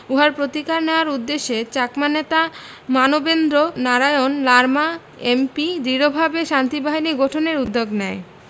উহার প্রতিকার নেয়ার উদ্দেশে চাকমা নেতা মানবেন্দ্র নারায়ণ লারমা এম পি দৃঢ়ভাবে শান্তিবাহিনী গঠনের উদ্যোগ নেয়